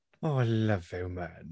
O I love you mun.